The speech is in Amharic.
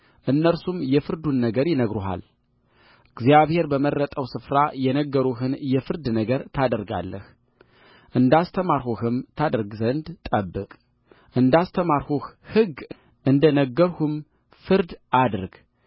እነርሱም የፍርዱን ነገር ይነግሩሃል እግዚአብሔር በመረጠው ስፍራ የነገሩህን የፍርድ ነገር ታደርጋለህ እንዳስተማሩህም ታደርግ ዘንድ ጠብቅ እንዳስተማሩህም ሕግ እንደ ነገሩህም ፍርድ አድርግ